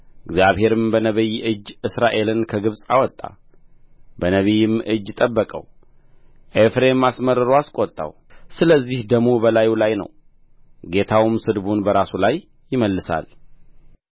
እግዚአብሔርም በነቢይ እጅ እስራኤልን ከግብጽ አወጣ በነቢይም እጅ ጠበቀው ኤፍሬም አስመርሮ አስቈጣው ስለዚህ ደሙ በላዩ ላይ ነው ጌታውም ስድቡን በራሱ ላይ ይመልሳል